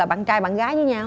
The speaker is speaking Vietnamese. bạn trai bạn gái với nhau